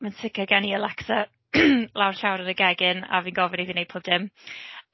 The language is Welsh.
Ma'n sicr gen i Alexa lawr llawr yn y gegin, a fi'n gofyn iddi wneud pob dim.